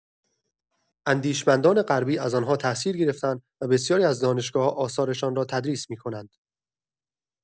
اندیشمندان غربی از آن‌ها تاثیر گرفته‌اند و بسیاری از دانشگاه‌‌ها آثارشان را تدریس می‌کنند.